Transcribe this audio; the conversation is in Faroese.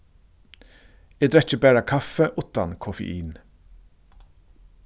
eg drekki bara kaffi uttan koffein